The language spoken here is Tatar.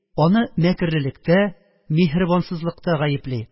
Аны мәкерлелектә, миһербансызлыкта гаепли